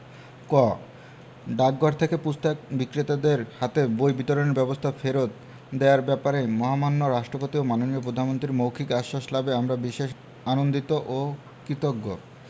ক ডাকঘর থেকে পুস্তক বিক্রেতাদের হাতে বই বিতরণ ব্যবস্থা ফেরত দেওয়ার ব্যাপারে মহামান্য রাষ্ট্রপতি ও মাননীয় প্রধানমন্ত্রীর মৌখিক আশ্বাস লাভে আমরা বিশেষ আনন্দিত ও কিতজ্ঞ